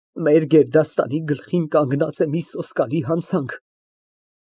Մեր գերդաստանի գլխին կանգնած է մի սոսկալի հանցանք։